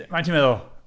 Maint ti'n meddwl?